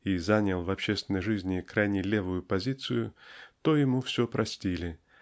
и занял в общественной жизни крайне левую позицию то ему все простили